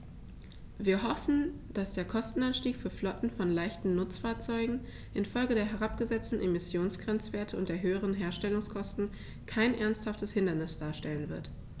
Wir hoffen, dass der Kostenanstieg für Flotten von leichten Nutzfahrzeugen in Folge der herabgesetzten Emissionsgrenzwerte und der höheren Herstellungskosten kein ernsthaftes Hindernis darstellen wird.